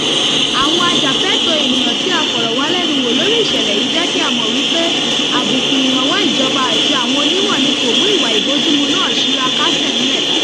Àwọn ajàfẹ́tọ̀ọ́-ènìyàn tí a fọ̀rọ̀ wá lẹ́nu wò lórí ìṣẹ̀lẹ̀ yìí jẹ́ kí á mọ̀ wípé àbùkù ìrànwọ́ ìjọba àti àwọn onímọ̀ ni kò mú ìwà àìbójúmu náà ṣíra kásẹ̀ ńlẹ̀.